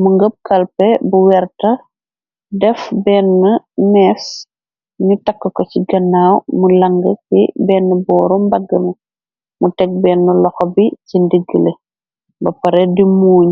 mu ngëp kalpe bu werta def benn neefs ni takk ko ci gannaa mu lang ci benn booru mbaggna mu teg benne loxo bi ci ndiggile ba pare di muuñ.